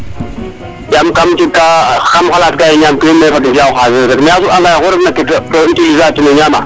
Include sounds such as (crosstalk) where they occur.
Yaam kaam jikaa kam xalaatka yee ñaamkinum um lay ee fat um (unintelligible) mais a soɓ anda yee oxu refna ke utiliser a ten o ñaamaa,